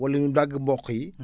wala ñu dagg mboq yi